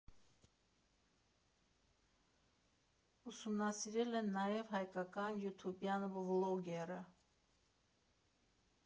Ուսումնասիրել են նաև հայկական յութուբյան վլոգերը։